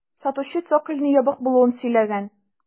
Сатучы цокольның ябык булуын сөйләгән.